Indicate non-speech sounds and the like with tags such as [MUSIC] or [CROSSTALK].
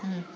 [HESITATION] [HESITATION]